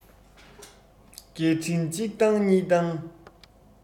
སྐད འཕྲིན གཅིག བཏང གཉིས བཏང